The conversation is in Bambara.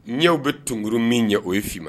N''aw bɛ tgurun min ye o ye f'ima